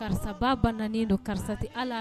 Kaarisa ba bananen don, kaarisa tɛ hal'a